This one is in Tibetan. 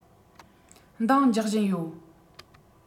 འདང རྒྱག བཞིན ཡོད